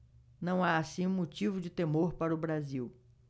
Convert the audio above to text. não há assim motivo de temor para o brasil